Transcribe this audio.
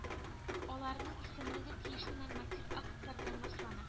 Аларның исемлеге тиешле норматив актлар белән раслана